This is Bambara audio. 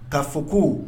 'a fɔ ko